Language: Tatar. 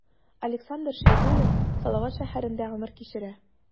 Александр Шәйдуллин Салават шәһәрендә гомер кичерә.